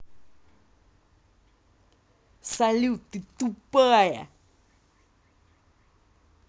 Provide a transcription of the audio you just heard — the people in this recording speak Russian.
салют ты тупая